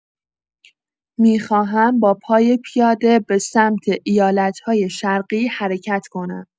می‌خواهم با پای پیاده به‌سمت ایالت‌های شرقی حرکت کنم.